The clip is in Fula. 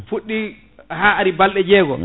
fuɗɗi ha ari balɗe jeegom